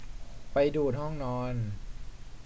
ไปดููดห้องนอน